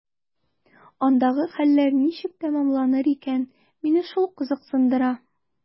Андагы хәлләр ничек тәмамланыр икән – мине шул кызыксындыра.